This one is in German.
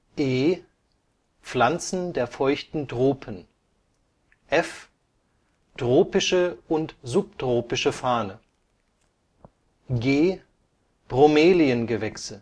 E: Pflanzen der feuchten Tropen F: Tropische und subtropische Farne G: Bromeliengewächse